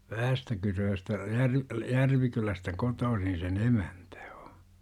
Vähästäkyröstä - Järvikylästä kotoisin sen emäntä on